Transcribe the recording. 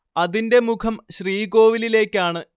അതിന്റെ മുഖം ശ്രീകോവിലിലേക്കാണ്‌‍